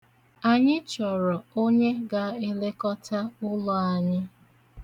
Anyị chọrọ onye ga-elekọta ụlọ anyị.